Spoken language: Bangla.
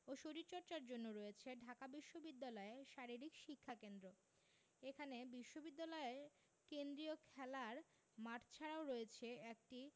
ও শরীরচর্চার জন্য রয়েছে ঢাকা বিশ্ববিদ্যালয়ে শারীরিক শিক্ষাকেন্দ্র এখানে বিশ্ববিদ্যালয় কেন্দ্রীয় খেলার মাঠ ছাড়াও রয়েছে একটি